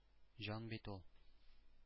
Җан бит ул!